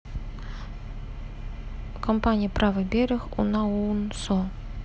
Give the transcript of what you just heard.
компания правый берег унаунсо